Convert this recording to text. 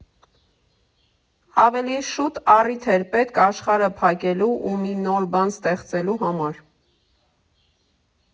Ավելի շուտ առիթ էր պետք աշխարհը փակելու ու մի նոր բան ստեղծելու համար։